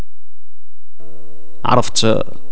عرفت